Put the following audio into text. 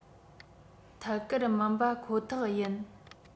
ཐད ཀར མིན པ ཁོ ཐག ཡིན